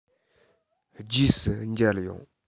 རྗེས སུ མཇལ ཡོང